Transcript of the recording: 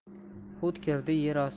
hut kirdi yer